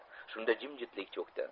shunda jimjitlik cho'kdi